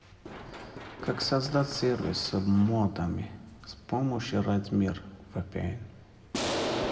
как создать сервер с модами с помощью радмир vpn